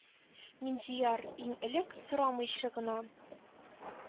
Миндияр, иң элек, сорамыйча гына,